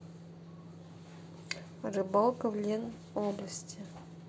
рыбалка в лен области